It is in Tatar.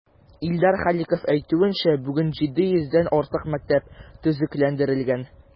Илдар Халиков әйтүенчә, бүген 700 дән артык мәктәп төзекләндерелгән.